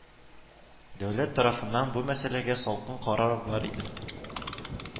Дәүләт тарафыннан бу мәсьәләгә салкын карау бар иде